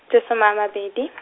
tse some a mabedi.